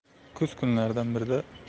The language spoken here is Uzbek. kuz kunlaridan birida